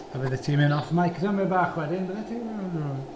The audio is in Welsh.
A byddai ti'n mynd off mic tamaid bach wedyn byddi di?